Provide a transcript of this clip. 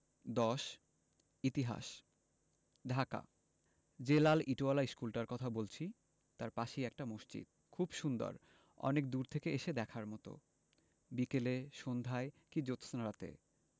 ১০ ইতিহাস ঢাকা যে লাল ইটোয়ালা ইশকুলটার কথা বলছি তার পাশেই একটা মসজিদ খুব সুন্দর অনেক দূর থেকে এসে দেখার মতো বিকেলে সন্ধায় কি জ্যোৎস্নারাতে